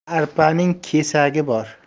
arpaning kesagi bor